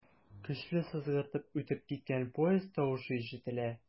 Көчле сызгыртып үтеп киткән поезд тавышы ишетелә.